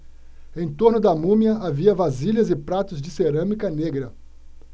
em torno da múmia havia vasilhas e pratos de cerâmica negra